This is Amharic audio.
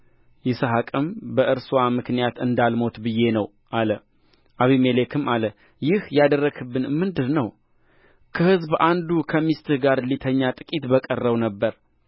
ይስሐቅም በእርስዋ ምክንያት እንዳልሞት ብዬ ነው አለው አቢሜሌክም አለ ይህ ያደረግህብን ምንድር ነው ከሕዝብ አንዱ ከሚስትህ ጋር ሊተኛ ጥቂት በቀረው ነበር